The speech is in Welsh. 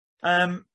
Yym.